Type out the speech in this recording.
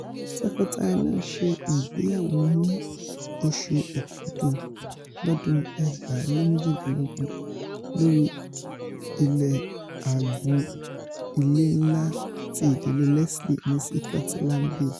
Tọkọtaya náà ṣe ìgbéyàwó ní oṣù Òkúdu lọ́dún 2018 lórí ilẹ̀ agbo-ilé ńlá ti ìdíle Leslie ní Sikọtilandi.